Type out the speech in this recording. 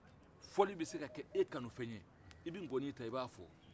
fɔli bɛ se ka kɛ e kanu fɛn e bɛ gɔni ta i b'a fɔ